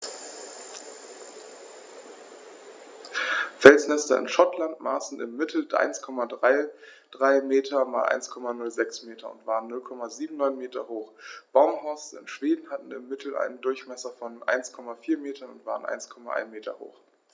Felsnester in Schottland maßen im Mittel 1,33 m x 1,06 m und waren 0,79 m hoch, Baumhorste in Schweden hatten im Mittel einen Durchmesser von 1,4 m und waren 1,1 m hoch.